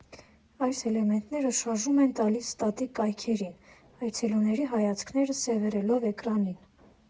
Այս էլեմենտները շարժում են տալիս ստատիկ կայքերին՝ այցելուների հայացքները սևեռելով էկրանին։